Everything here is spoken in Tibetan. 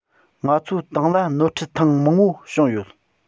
ང ཚོའི ཏང ལ ནོར འཁྲུལ ཐེངས མང པོ བྱུང ཡོད